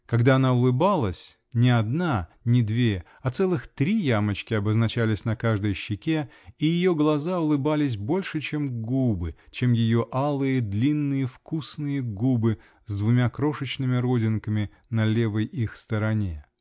Когда она улыбалась -- не одна и не две, а целых три ямочки обоз начались на каждой щеке, и ее глаза улыбались больше, чем губы, чем ее алые, длинные вкусные губы, с двумя крошечными родинками на левой их стороне.